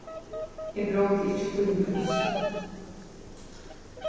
eg bróti ikki tíni krúss